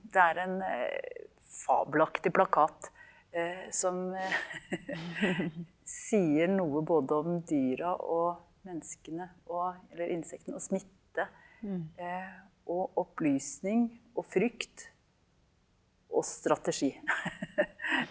det er en fabelaktig plakat som sier noe både om dyra og menneskene og eller innsikten og smitte og opplysning og frykt og strategi.